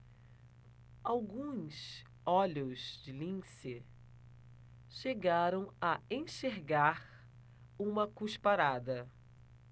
alguns olhos de lince chegaram a enxergar uma cusparada